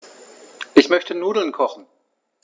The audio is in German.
Ich möchte Nudeln kochen.